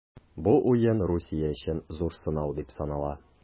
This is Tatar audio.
Бу уен Русия өчен зур сынау дип санала.